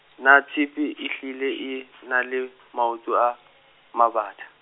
na tshephe ehlile e, na le, maoto a , mabatha?